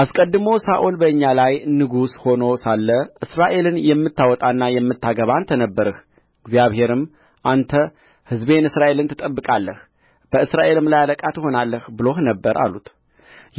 አስቀድሞ ሳኦል በእኛ ላይ ንጉሥ ሆኖ ሳለ እስራኤልን የምታወጣና የምታገባ አንተ ነበርህ እግዚአብሔርም አንተ ሕዝቤን እስራኤልን ትጠብቃለህ በእስራኤልም ላይ አለቃ ትሆናለህ ብሎህ ነበር አሉት